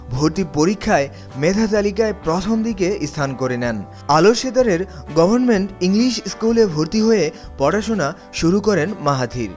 ভর্তি পরীক্ষায় মেধাতালিকায় প্রথম দিকে স্থান করে নেন আলোক সেতারের গভর্নমেন্ট ইংলিশ স্কুলে ভর্তি হয়ে পড়াশোনা শুরু করেন মাহাথির